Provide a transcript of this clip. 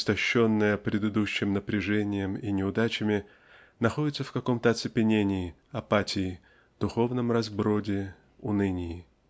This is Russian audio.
истощенное предыдущим напряжением и неудачами находится в каком-то оцепенении апатии духовном разброде унынии.